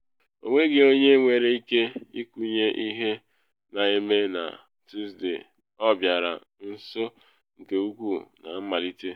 Ọnweghị onye nwere ike ịkwenye ihe na eme na Tusde, ọ bịara nso nke ukwu na mmalite.